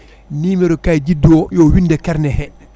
numéro kayit juddu o yo winde e carnet he